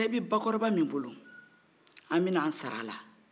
an bɛɛ bɛ bakɔrɔba min bolo an bɛ n'an sara a la